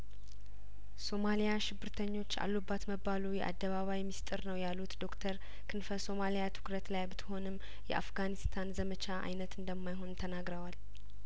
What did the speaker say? ሶማሊያ ሽብርተኞች አሉባት መባሉ የአደባባይ ሚስጥር ነው ያሉት ዶክተር ክንፈ ሶማሊያ ትኩረት ላይ ብትሆንም የአፍጋኒስታን ዘመቻ አይነት እንደማይሆን ተናግረዋል